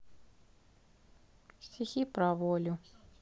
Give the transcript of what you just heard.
стихи про волю